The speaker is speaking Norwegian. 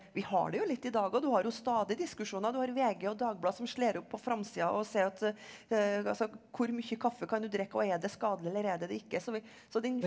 vi har det jo litt i dag òg du har jo stadig diskusjoner du har VG og Dagbladet som slår opp på framsida og sier at altså hvor mye kaffe kan du drikke og er det skadelig eller er det det ikke så vi så den .